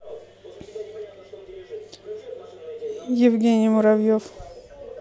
евгений муравьев